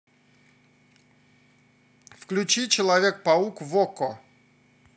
включи человек паук в окко